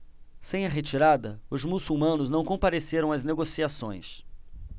sem a retirada os muçulmanos não compareceram às negociações